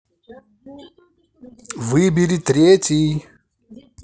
выбери третий